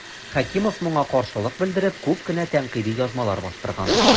Хәкимов моңа каршылык белдереп күп кенә тәнкыйди язмалар бастырган.